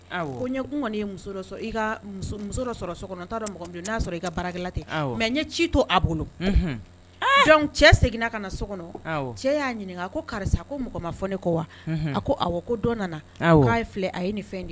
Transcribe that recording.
Kokun muso muso dɔ so kɔnɔ dɔn mɔgɔ n'a sɔrɔ i ka bara ten mɛ n ɲɛ ci to a bolo cɛ seginna ka so kɔnɔ cɛ y'a ɲininka ko karisa ko mɔgɔ ma fɔ ne ko wa a ko ko dɔn nana'a filɛ a ye ne fɛn de ye